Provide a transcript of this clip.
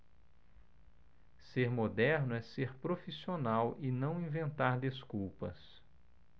ser moderno é ser profissional e não inventar desculpas